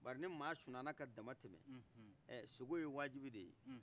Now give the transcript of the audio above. bari ni mɔgɔ sinɔgɔ la ka tɛmɛ ɛɛ suko ye wajibi de ye